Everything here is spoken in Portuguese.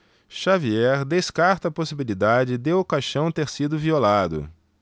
xavier descarta a hipótese de o caixão ter sido violado